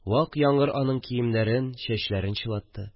Вак яңгыр аның киемнәрен, чәчләрен чылатты